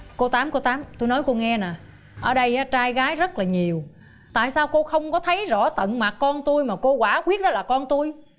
cô tám có tám tui nói cô nghe nè ở đây trai gái rất là nhiều tại sao cô không có thấy rõ tận mặt con tui mà cô quả quyết đó là con tui